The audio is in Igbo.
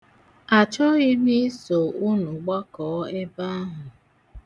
Achọghị m iso unu gbakọọ ebe ahụ.